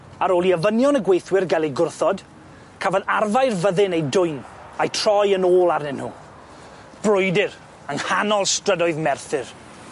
Ar ôl i ofynion y gweithwyr ga'l eu gwrthod, cafodd arfau'r fyddin eu dwyn a'i troi yn ôl arnyn nw, brwydyr yng nghanol strydoedd Merthyr.